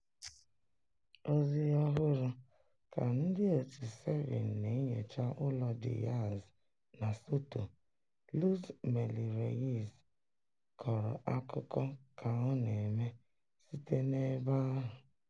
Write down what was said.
[Ozi ọhụrụ] Ka ndị òtù SEBIN na-enyocha ụlọ Diaz na Soto, Luz Mely Reyes kọrọ akụkọ ka ọ na-eme site n'ebe ahụ.